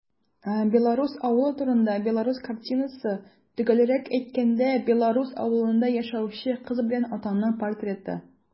Белорус авылы турында белорус картинасы - төгәлрәк әйткәндә, белорус авылында яшәүче кыз белән атаның портреты.